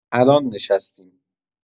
الان نشستیم